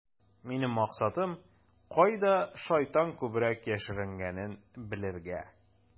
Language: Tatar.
Минем максатым - кайда шайтан күбрәк яшеренгәнен белергә.